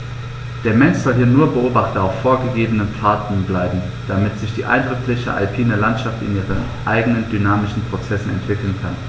Der Mensch soll hier nur Beobachter auf vorgegebenen Pfaden bleiben, damit sich die eindrückliche alpine Landschaft in ihren eigenen dynamischen Prozessen entwickeln kann.